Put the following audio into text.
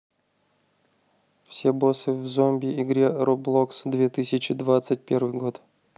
все боссы в zombie игре roblox две тысячи двадцать первый год